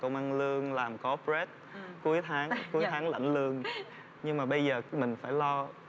công ăn lương làm cóp pờ rét cuối tháng cuối tháng lãnh lương nhưng mà bây giờ mình phải lo